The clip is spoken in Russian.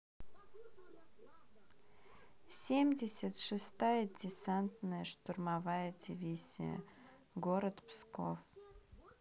семьдесят шестая десантная штурмовая дивизия город псков